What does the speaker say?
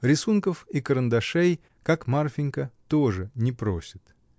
Рисунков и карандашей, как Марфинька, тоже не просит.